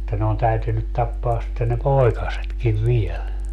että ne on täytynyt tappaa sitten ne poikasetkin vielä